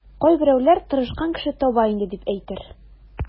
Кайберәүләр тырышкан кеше таба инде, дип әйтер.